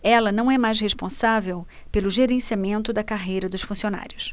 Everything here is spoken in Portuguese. ela não é mais responsável pelo gerenciamento da carreira dos funcionários